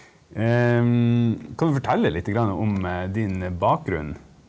kan du fortelle lite grann om din bakgrunn.